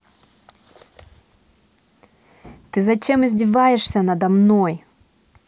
ты зачем издеваешься надо мной